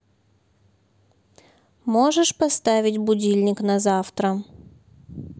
можешь поставить будильник на завтра